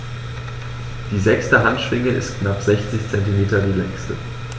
Die sechste Handschwinge ist mit knapp 60 cm die längste.